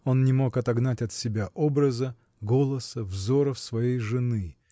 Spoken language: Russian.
Он не мог отогнать от себя образа, голоса, взоров своей жены.